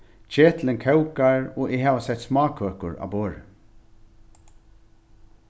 ketilin kókar og eg havi sett smákøkur á borðið